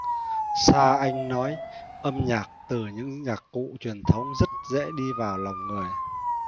sa anh nói âm nhạc từ những nhạc cụ truyền thống rất dễ đi vào lòng người